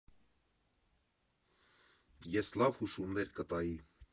Ես լավ հուշումներ կտայի։